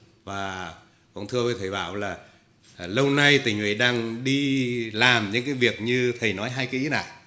và cũng thưa với thầy bảo là lâu nay tỉnh ủy đang đi làm những cái việc như thầy nói hai cái ý là